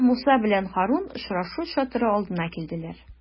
Һәм Муса белән Һарун очрашу чатыры алдына килделәр.